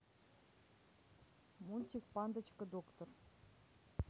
мультик пандочка доктор